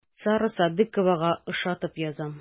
Сара Садыйковага ошатып язам.